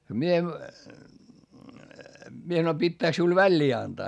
minä minä sanoin pitääkö sinulle väliin antaa